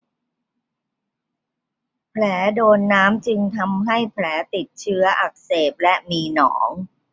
แผลโดนน้ำจึงทำให้แผลติดเชื้ออักเสบและมีหนอง